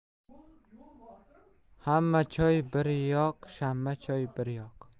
hamma choy bir yoq shamma choy bir yoq